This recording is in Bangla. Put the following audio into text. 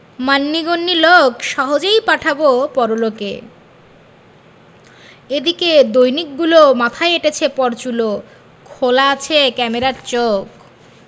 মান্যিগন্যি লোক সহজেই পাঠাবো পরলোকে এদিকে দৈনিকগুলো মাথায় এঁটেছে পরচুলো খোলা আছে ক্যামেরার চোখ